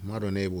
Maa dɔn ne ye bɔ